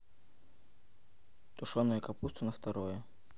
тушеная капуста на второе